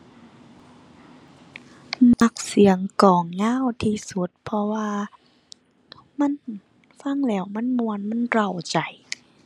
มักเสียงกลองยาวที่สุด เพราะว่ามันฟังแล้วมันม่วน มันเร้าใจ